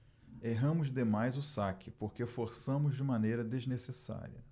erramos demais o saque porque forçamos de maneira desnecessária